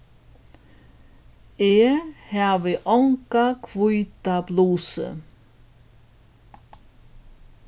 eg havi onga hvíta blusu